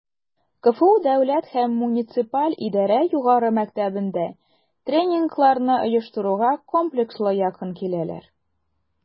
КФУ Дәүләт һәм муниципаль идарә югары мәктәбендә тренингларны оештыруга комплекслы якын киләләр: